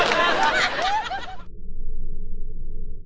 ê tao đãng trí mắt mớ gì đi khám tim tao